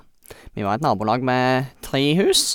Vi var et nabolag med tre hus.